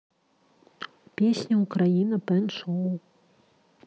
песня украина реп шоу голос